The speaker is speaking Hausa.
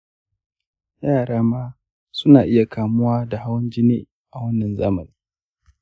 yara ma suna iya kamuwa da hawan jini a wannan zamanin.